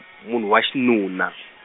munhu wa xinuna.